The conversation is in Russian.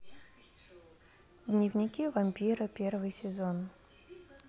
дневники вампира первый сезон